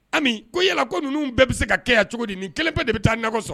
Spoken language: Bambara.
Hali ko yala ko ninnu bɛɛ bɛ se ka kɛ cogo di ni kelen bɛɛ de bɛ taa na sɔrɔ